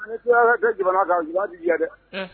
A ci kɛ jamana kan di dɛ